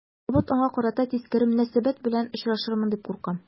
Кабат аңа карата тискәре мөнәсәбәт белән очрашырмын дип куркам.